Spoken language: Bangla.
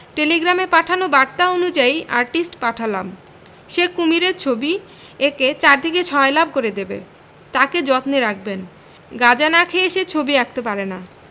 টেলিগ্রামে পাঠানো বাত অনুযায়ী আর্টিস্ট পাঠালাম সে কুমীরের ছবি একে চারদিকে ছয়লাব করে দেবে তাকে যত্নে রাখবেন গাজা না খেয়ে সে ছবি আঁকতে পারে না